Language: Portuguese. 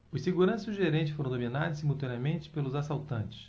os seguranças e o gerente foram dominados simultaneamente pelos assaltantes